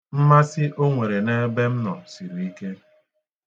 Mmasị o nwere n'ebe m nọ siri ike.